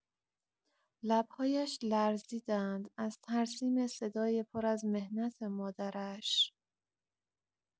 لب‌هایش لرزیدند از ترسیم صدای پر از محنت مادرش.